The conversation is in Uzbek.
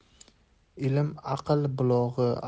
ilm aql bulog'i